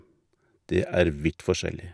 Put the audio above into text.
Det er vidt forskjellig.